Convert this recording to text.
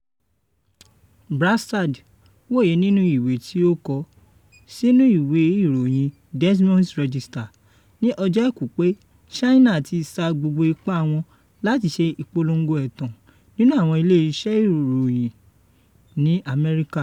Branstad wòye nínú ìwé tí ó kọ sínú ìwé ìròyìn Des Moines Register ní ọjọ́ Àìkú pé China ti sa gbogbo ipa wọn láti ṣe ìpolongo ẹ̀tàn nínú àwọn ilé iṣẹ́ ìròyìn ní Amẹ́ríkà.